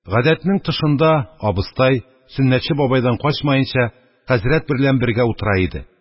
Гадәтнең тышында, абыстай, Сөннәтче бабайдан качмаенча, хәзрәт берлән бергә утыра иде.